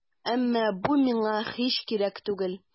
Әмма бу миңа һич кирәк түгел.